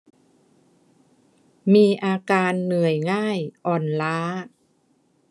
มีอาการเหนื่อยง่ายอ่อนล้า